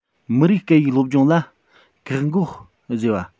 མི རིགས སྐད ཡིག སློབ སྦྱོང ལ བཀག འགོག བཟོས པ